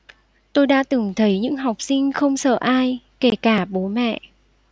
tôi đã từng thấy những học sinh không sợ ai kể cả bố mẹ